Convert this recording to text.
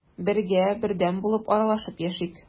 Бергә, бердәм булып аралашып яшик.